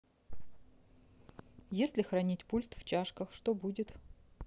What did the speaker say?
если хранить пульт в чашках что будет